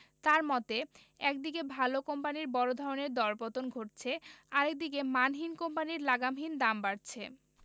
তাঁর মতে একদিকে ভালো কোম্পানির বড় ধরনের দরপতন ঘটছে আরেক দিকে মানহীন কোম্পানির লাগামহীন দাম বাড়ছে